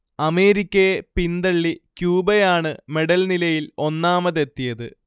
അമേരിക്കയെ പിന്തള്ളി ക്യൂബയാണ് മെഡൽനിലയിൽ ഒന്നാമതെത്തിയത്